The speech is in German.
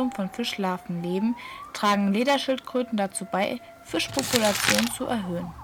von Fischlarven leben, tragen Lederschildkröten dazu bei, Fischpopulationen zu erhöhen